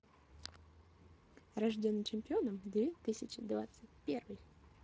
рожденный чемпионом две тысячи двадцать первый